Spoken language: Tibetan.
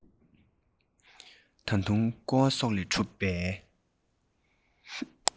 ད དུང ཀོ བ སོགས ལས གྲུབ པའི